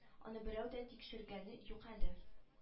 Аны берәү дә тикшергәне юк әле